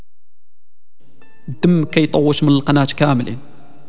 اسم القناه كامله